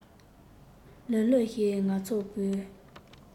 ལི ལི ཞེས ང ཚོར བོས